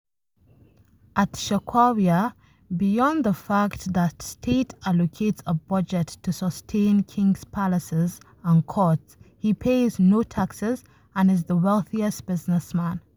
@charquaoia: Beyond the fact that state allocates a budget to sustain king's palaces & courts, he pays no taxes, and is the wealthiest businessman.